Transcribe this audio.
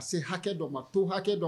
A se hakɛ dɔ ma to hakɛ dɔ